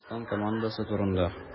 Татарстан командасы турында.